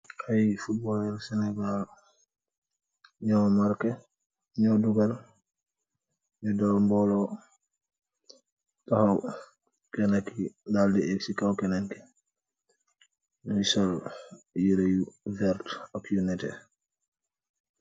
Ay footbolor senegal, ñoo marke. Ñoo dugal, ñu doon mboolo taxaw. kena ki daldi eg ci kaw kenenki, musol yire yu verta ak yu neté